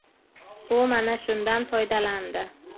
u mana shundan foydalandi